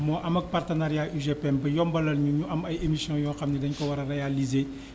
moo am ak partenariat UGPM ba yombalal ñu ñu am ay émissions yoo xam ne dañu ko war a réalisées